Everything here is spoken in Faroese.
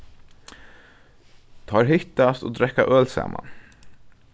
teir hittast og drekka øl saman